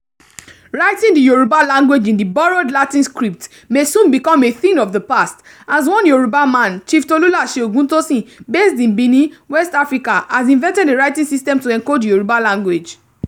Writing the Yorùbá language in the borrowed Latin script may soon become a thing of the past as one Yorùbá man, Chief Tolúlàṣẹ Ògúntósìn, based in Benin, West Africa, has invented a writing system to encode the Yorùbá language.